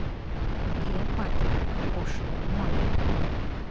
клеопатри пошлая молли